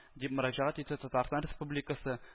Дип мөрәҗәгать итте татарстан республикасы